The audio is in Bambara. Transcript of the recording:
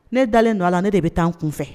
Ne dalen don ala ne de bɛ taa kun fɛ